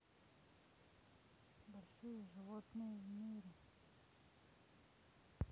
большие животные в мире